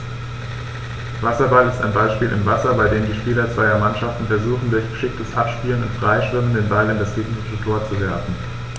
Wasserball ist ein Ballspiel im Wasser, bei dem die Spieler zweier Mannschaften versuchen, durch geschicktes Abspielen und Freischwimmen den Ball in das gegnerische Tor zu werfen.